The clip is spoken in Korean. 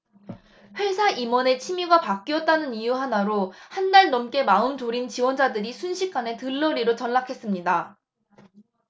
회사 임원의 취미가 바뀌었다는 이유 하나로 한 달 넘게 마음 졸인 지원자들이 순식간에 들러리로 전락했습니다